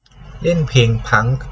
เล่นเพลงพังค์